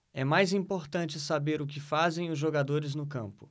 é mais importante saber o que fazem os jogadores no campo